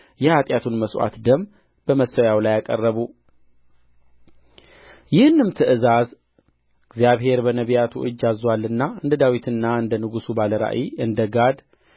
የኃጢያቱን መሥዋዕት ደም በመሠዊያው ላይ አቀረቡ ይህንም ትእዛዝ እግዚአብሔር በነቢያቱ እጅ አዝዞአልና እንደ ዳዊትና እንደ ንጉሡ ባለ ራእይ እንደ ጋድ